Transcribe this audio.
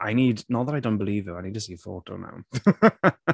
I need... not that I don't believe you, I need to see a photo now.